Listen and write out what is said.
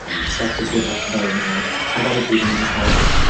a fi'n acsepto ti a petha fel 'na, ac ar y pryd o'n i jyst fel